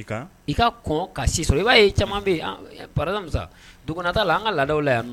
Sa la an ka laada yan